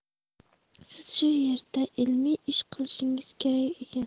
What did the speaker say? siz shu yerda ilmiy ish qilishingiz kerak ekan